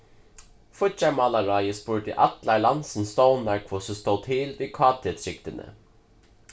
fíggjarmálaráðið spurdi allar landsins stovnar hvussu stóð til við kt-trygdini